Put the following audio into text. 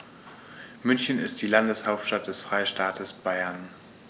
München ist die Landeshauptstadt des Freistaates Bayern.